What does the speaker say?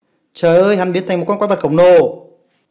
trời ơi hắn biến thành khổng lồ